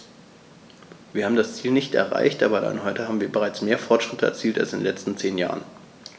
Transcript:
Wir haben das Ziel nicht erreicht, aber allein heute haben wir bereits mehr Fortschritte erzielt als in den letzten zehn Jahren.